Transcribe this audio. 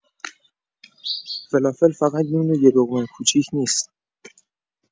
فلافل فقط نون و یه لقمه کوچیک نیست.